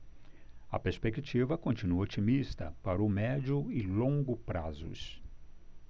a perspectiva continua otimista para o médio e longo prazos